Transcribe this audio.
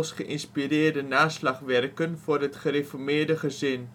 geïnspireerde naslagwerken voor het gereformeerde gezin